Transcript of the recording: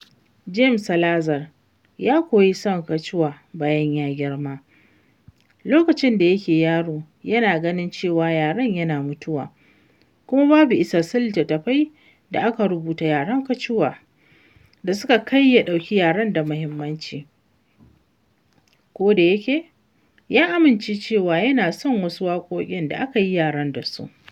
Jaime Salazar ya koyi son Quechua bayan ya girma: lokacin da yake yaro yana ganin cewa yaren yana mutuwa kuma babu isassun littattafai da aka rubuta da yaren Quechua da suka kai ya ɗauki yaren da muhimmanci, ko da yake ya amince cewa yana son wasu waƙoƙin da aka yi da yaren.